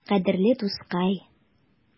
Кадерле дускай!